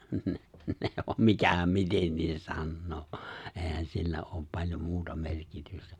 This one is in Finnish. ne ne on mikähän miten sanoo eihän sillä ole paljon muuta merkitystä